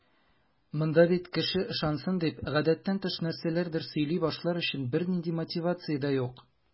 Монда бит кеше ышансын дип, гадәттән тыш нәрсәләрдер сөйли башлар өчен бернинди мотивация дә юк.